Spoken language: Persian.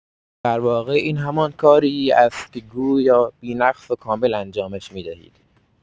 درواقع این همان کاری است که گویا بی‌نقص و کامل انجامش می‌دهید.